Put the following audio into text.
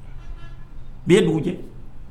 Bi ye dugu jɛ